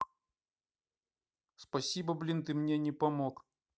спасибо блин ты мне не помог